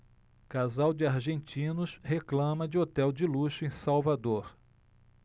casal de argentinos reclama de hotel de luxo em salvador